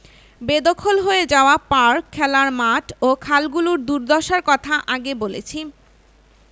বেদখল হয়ে যাওয়া পার্ক খেলার মাঠ ও খালগুলোর দুর্দশার কথা আগে বলেছি